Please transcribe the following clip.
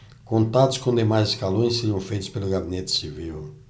contatos com demais escalões seriam feitos pelo gabinete civil